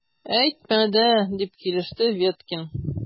Әйтмә дә! - дип килеште Веткин.